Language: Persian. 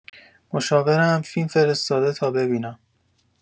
مشاورم فیلم فرستاده تا ببینیم